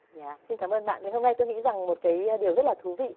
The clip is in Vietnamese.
xin cảm ơn bạn ngày hôm nay tôi nghĩ rằng một cái điều rất là thú vị